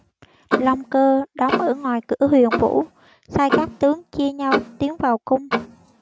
long cơ đóng ở ngoài cửa huyền vũ sai các tướng chia nhau tiến vào cung